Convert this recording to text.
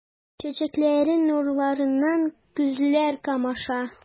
Чәчәкләрнең нурларыннан күзләр камаша.